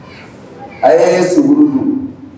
A ye ye sogourun ninnu